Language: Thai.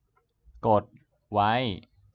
กดไว้